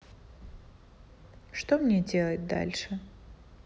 что мне делать дальше